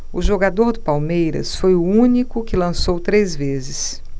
o jogador do palmeiras foi o único que lançou três vezes